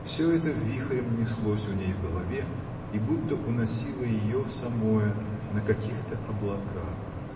Всё это вихрем неслось у ней в голове и будто уносило ее самое на каких-то облаках.